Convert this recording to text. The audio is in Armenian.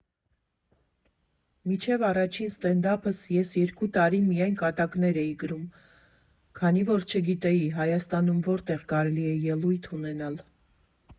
Մինչև առաջին ստենդափս ես երկու տարի միայն կատակներ էի գրում, քանի որ չգիտեի Հայաստանում որտեղ կարելի է ելույթ ունենալ։